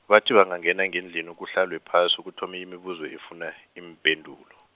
bathi bangangena ngendlini kuhlalwe phasi kuthome imibuzo efuna, iimpendulo.